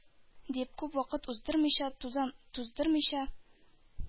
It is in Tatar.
— дип, күп вакыт уздырмыйча, тузан туздырмыйча,